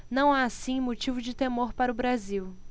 não há assim motivo de temor para o brasil